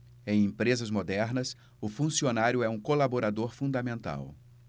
em empresas modernas o funcionário é um colaborador fundamental